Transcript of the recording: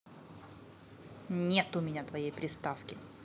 нет у меня твоей приставки